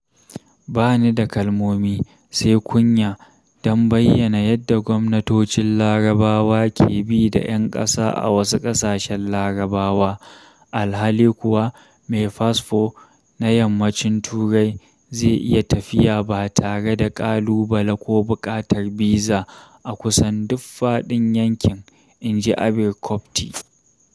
"Ba ni da kalmomi, sai kunya, don bayyana yadda gwamnatocin Larabawa ke bi da ƴan ƙasa a wasu ƙasashen Larabawa, alhali kuwa mai fasfo na Yammacin Turai zai iya tafiya ba tare da kalubale ko buƙatar biza a kusan duk faɗin yankin" Inji Abir Kopty